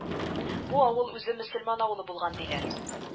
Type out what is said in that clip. Бу авыл үзе мөселман авылы булган диләр